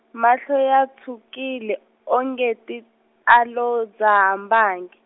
mahlo ya tshwukile o nge ti, a lo dzaha mbangi.